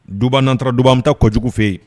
Dubaanta dugba an bɛ taa kɔ kojugujugu fɛ yen